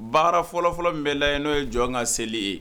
Baara fɔlɔfɔlɔ min bɛ la yen n'o ye jɔn ka seli ye